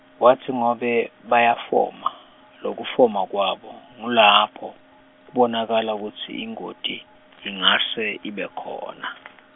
watsi ngobe, bayafoma, lokufoma kwabo, ngulapho, kubonakala kutsi ingoti, ingase ibe khona .